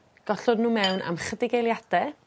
Gollwng n'w mewn am chydig eiliade